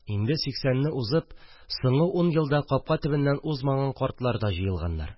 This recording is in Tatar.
Инде сиксәнне узып, соңгы ун елда капка төбеннән узмаган картлар да җыелганнар